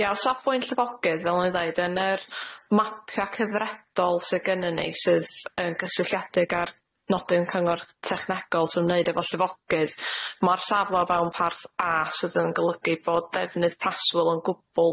Ia o safbwynt llifogydd fel o'n i'n ddeud yn yr mapia' cyfredol sy gynnyn ni sydd yn gysylltiedig â'r nodyn cyngor technegol sy'n wneud efo llyfogydd ma'r safla o fewn parth a sydd yn golygu bod defnydd preswyl yn gwbl